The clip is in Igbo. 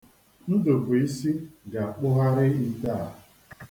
Ndubuisi ga-akpụgharị ite a.